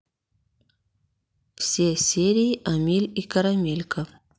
все серии амиль и карамелька